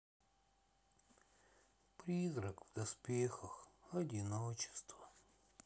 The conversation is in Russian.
призрак в доспехах одиночество